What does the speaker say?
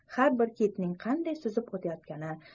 har bir kitning qanday suzib ketayotgani